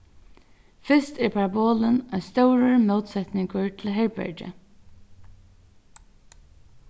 fyrst er parabolin ein stórur mótsetningur til herbergið